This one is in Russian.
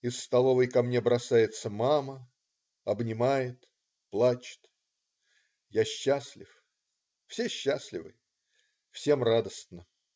Из столовой ко мне бросается мама. обнимает, плачет. Я счастлив. Все счастливы, всем радостно. ..